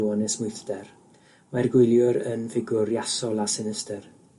o ynesmwythder mae'r gwyliwr yn ffigwr iasol a sinistyr.